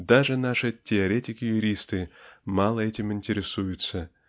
Даже наши теоретики юристы мало этим интересуются